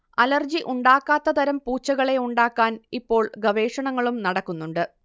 allergy ഉണ്ടാക്കാത്തതരം പൂച്ചകളെ ഉണ്ടാക്കാൻ ഇപ്പോൾ ഗവേഷണങ്ങളും നടക്കുന്നുണ്ട്